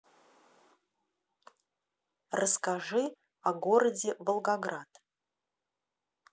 расскажи о городе волгоград